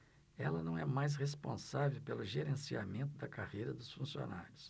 ela não é mais responsável pelo gerenciamento da carreira dos funcionários